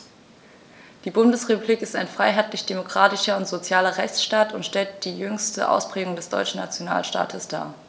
Die Bundesrepublik ist ein freiheitlich-demokratischer und sozialer Rechtsstaat und stellt die jüngste Ausprägung des deutschen Nationalstaates dar.